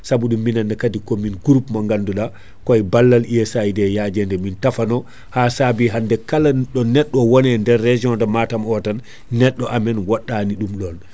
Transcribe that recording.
saabu ɗum minne kaadi ko min groupe mo ganduɗa koye ballal USAID yaajede min tafano ha saabi hande kala ɗo wone e nder région de Matam o tan neɗɗo amen woɗɗani ɗum ɗon